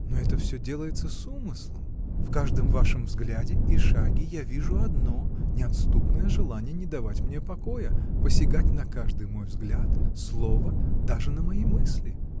Но это всё делается с умыслом: в каждом вашем взгляде и шаге я вижу одно — неотступное желание не давать мне покоя, посягать на каждый мой взгляд, слово, даже на мои мысли.